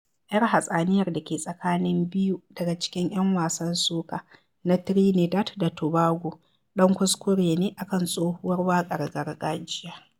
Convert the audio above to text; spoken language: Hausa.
Yar hatsaniyar da ke tsakanin biyu daga cikin 'yan wasan soca na Trinidad da Tobago ɗan kuskure ne akan tsohuwar waƙar gargajiya